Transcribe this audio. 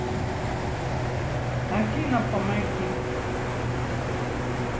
афина помоги